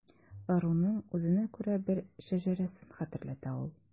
Ыруның үзенә күрә бер шәҗәрәсен хәтерләтә ул.